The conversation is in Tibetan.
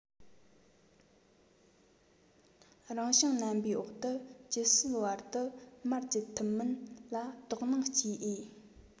རང བྱུང རྣམ པའི འོག ཏུ ཇི སྲིད བར དུ མར བརྒྱུད ཐུབ མིན ལ དོགས སྣང སྐྱེ འོས